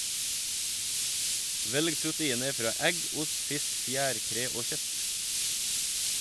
Velg proteiner fra egg, ost, fisk, fjærkre og kjøtt.